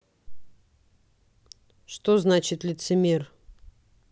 что значит лицемер